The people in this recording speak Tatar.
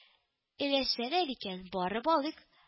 — әләшәләр икән — барып алыйк